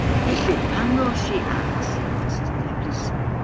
Felly, pan ddoes i at Y Trydydd Plismon...